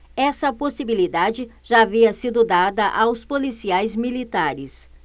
essa possibilidade já havia sido dada aos policiais militares